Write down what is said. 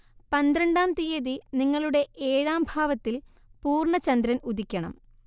പന്ത്രണ്ടാം തീയതി നിങ്ങളുടെ ഏഴാം ഭാവത്തിൽ പൂർണ ചന്ദ്രൻ ഉദിക്കണം